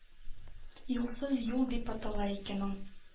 «юлсыз юл» дип атала икән ул.